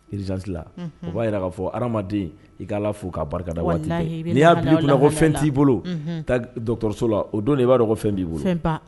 Urgence la o b'a jira k'a fɔ hadamaden i ka Ala fo k'a barikada waati n'i y'a bila i kun na ko fɛn t'i bolo, unhun, taa dɔgɔtɔrɔso la o don de i b'a dɔn ko fɛn b'i bolo, fɛnba